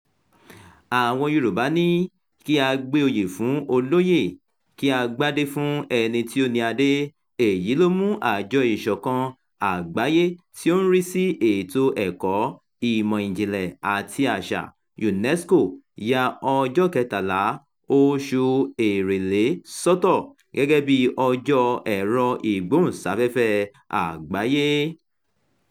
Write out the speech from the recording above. Àwọn Yorùbá ní, kí a gbé oyè fún olóyè, kí á gbádé fún ẹni tí ó ni adé", èyí ló mú Àjọ Ìṣọ̀kan Àgbáyé tí ó ń rí sí Ètò Ẹ̀kọ́, Ìmọ̀ Ìjìnlẹ̀ àti Àṣà (UNESCO) ya ọjọ́ 13 oṣù Èrèlé sọ́tọ̀ gẹ́gẹ́ bíi Ọjọ́ Ẹ̀rọ-ìgbóhùnsáfẹ́fẹ́ Àgbáyé.